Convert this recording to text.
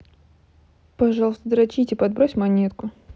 пожалуйста дрочить и подбрось монетку